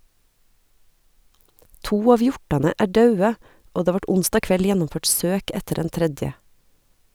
To av hjortane er daude, og det vart onsdag kveld gjennomført søk etter den tredje.